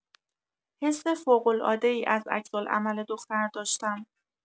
حس فوق‌العاده ای از عکس‌العمل دختر داشتم.